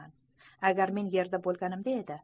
agar men yerda bo'lganimda edi